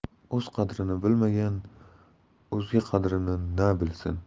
o'z qadrini bilmagan o'zga qadrini na bilsin